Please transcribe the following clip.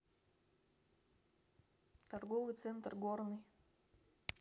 торговый центр горный